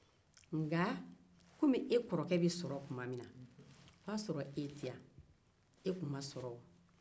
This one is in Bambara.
komi e kɔrɔkɛ sɔrɔla tuma min na o y'a sɔrɔ e tɛ